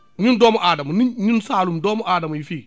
ñun doomu aadama ñun ñun Saloum doomu aadama yi fii